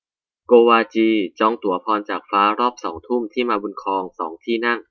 โกวาจีจองตั๋วพรจากฟ้ารอบสองทุ่มที่มาบุญครองสองที่นั่ง